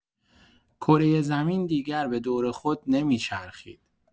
کره زمین دیگر به دور خود نمی‌چرخید.